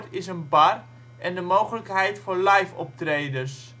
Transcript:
is een bar en de mogelijkheid voor live optredens